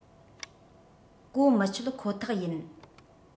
གོ མི ཆོད ཁོ ཐག ཡིན